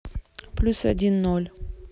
плюс один ноль